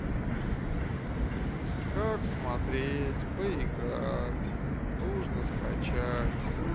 как смотреть поиграть нужно скачать